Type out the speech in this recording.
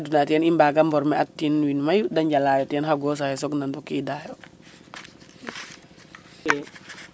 Sante a ten i mbaga mborme wiin mayu da njala ten yo ten xa gos axe sogna ndokiida yo.